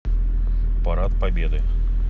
порад победы